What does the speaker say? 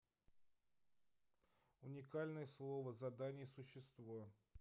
уникальное слово задание существо